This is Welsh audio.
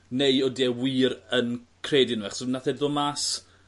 Neu odi e wir yn credu ynno fe? Achos o- nath e ddo' mas